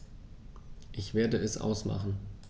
Ich werde es ausmachen